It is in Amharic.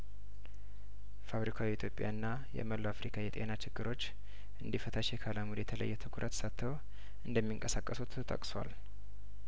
ፋብሪካው የኢትዮጵያ ና የመላው አፍሪካ የጤና ችግሮች እንዲ ፈታ ሼክ አልአሙዲ የተለየትኩረት ሰጥተው እንደሚንቀሳቀሱ ተጠቅሷል